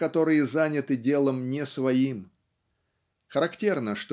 которые заняты делом не своим. Характерно